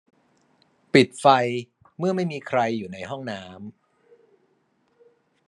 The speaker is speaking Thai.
ปิดไฟเมื่อไม่มีใครอยู่ในห้องน้ำ